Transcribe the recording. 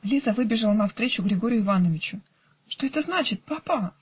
Лиза выбежала навстречу Григорью Ивановичу. "Что это значит, папа?